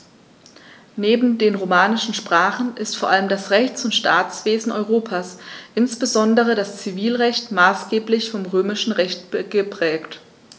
Neben den romanischen Sprachen ist vor allem das Rechts- und Staatswesen Europas, insbesondere das Zivilrecht, maßgeblich vom Römischen Recht geprägt.